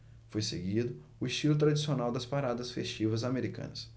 foi seguido o estilo tradicional das paradas festivas americanas